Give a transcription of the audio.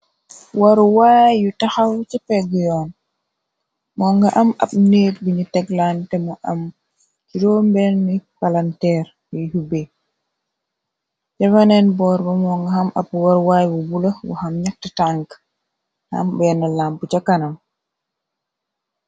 waruwaay yu taxaw ca pegg yoon moo nga am ab neit biñu teglaantemu am ciróo mbenni palanteer yuy hubbe jafaneen boor ba moo nga xam ab waruwaay bu bula ba xam ñaxt tànk tam benn lamp ca kanam.